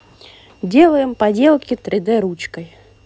делаем поделки три д ручкой